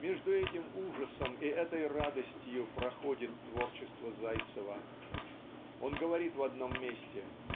между этим ужасом и этой радостью проходит творчество Зайцева. Он говорит в одном месте